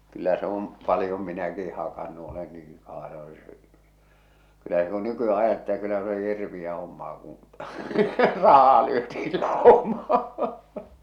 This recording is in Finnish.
kyllä se on paljon minäkin hakannut olen niin - kyllä se kun nykyään ajattelee että kyllä se oli hirveää hommaa kun rahaa lyötiin laumaan